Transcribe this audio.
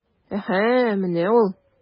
Әһә, менә ул...